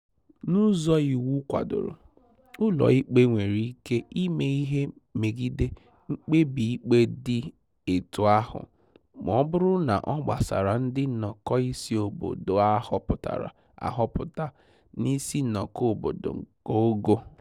N'ụzọ iwu kwadoro, ụlọ ikpe nwere ike ime ihe megide mkpebi ikpe dị etu ahụ ma ọ bụrụ na ọ gbasara ndị nnọkọ isi obodo a họpụtara ahọpụta na isi nnọkọ obodo nke ogo.